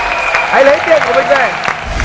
hãy lấy tiền của mình về